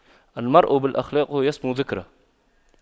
المرء بالأخلاق يسمو ذكره